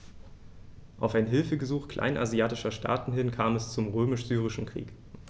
Auf ein Hilfegesuch kleinasiatischer Staaten hin kam es zum Römisch-Syrischen Krieg.